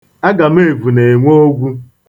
Agameevu na-enwe ogwu.